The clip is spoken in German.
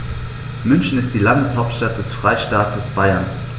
München ist die Landeshauptstadt des Freistaates Bayern.